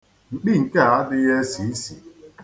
Mkpi nke a adịghị esi isi.